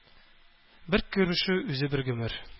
Бер күрешү үзе бер гомер.